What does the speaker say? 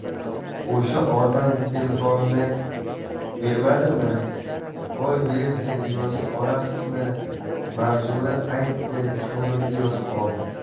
o'sha odam telefonini bermadimi voy berdi yozib olasizmi manzura aytdi chuvrindi yozib oldi